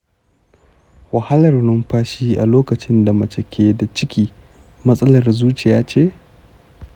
wahalar numfashi a lokacin da mace ke da ciki matsalar zuciya ce?